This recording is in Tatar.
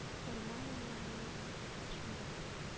Урман, урман, мине илт син шунда